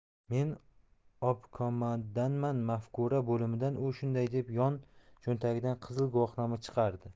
men obkomdanman mafkura bo'limidan u shunday deb yon cho'ntagidan qizil guvohnoma chiqardi